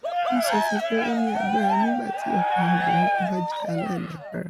Wọ́n sọ fún un pé ''Ó ní agbára nígbà tí ọ̀pọ̀ àwọn obìnrin bá jẹ́ aláìlágbára.''''